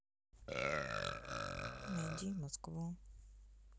найди москву